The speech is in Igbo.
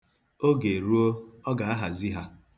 Oge ruo, ọ ga-ahazi ha.